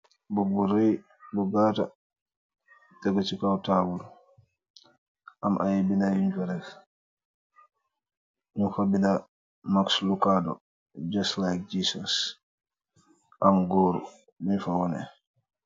Book bu raay bu gaata tego ci kow tabul. Am ay bind yun fa deff. Nyun fa bind max lukado just like jesus. Am góor buñ fa wone.